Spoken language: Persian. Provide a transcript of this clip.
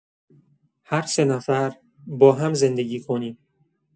هر سه نفر، باهم زندگی کنیم.